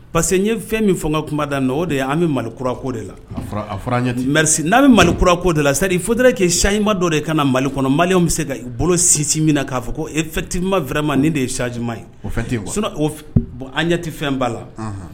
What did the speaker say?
Parce que ye fɛn min fɔ ka kunba dan o de ye an bɛ malikura ko de la n'a bɛ malikura ko de la seri fo kɛ sajima dɔ de ka na mali kɔnɔ mali bɛ se ka bolo sinsin min na k'a fɔ ko e fitima fɛrɛma nin de ye sajima ye o bon an ɲɛ tɛ fɛn ba la